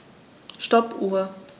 Stoppuhr.